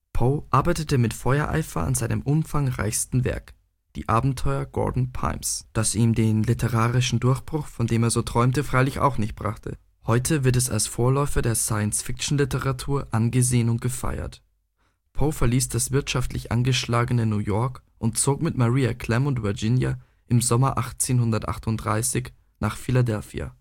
Poe arbeitete mit Feuereifer an seinem umfangreichsten Werk: Die Abenteuer Gordon Pyms, das ihm den literarischen Durchbruch, von dem er träumte, freilich auch nicht brachte. Heute wird es als Vorläufer der Science Fiction Literatur angesehen und gefeiert. Poe verließ das wirtschaftlich angeschlagene New York und zog mit Maria Clemm und Virginia im Sommer 1838 nach Philadelphia